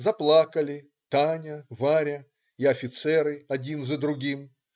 Заплакали Таня, Варя и офицеры один за другим.